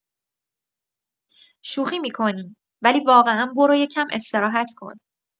شوخی می‌کنی، ولی واقعا برو یه کم استراحت کن.